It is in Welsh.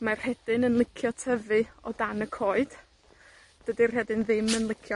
Mae'r rhedyn yn licio tyfu o dan y coed, dydi rhedyn ddim yn licio